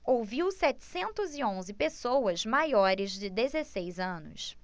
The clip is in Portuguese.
ouviu setecentos e onze pessoas maiores de dezesseis anos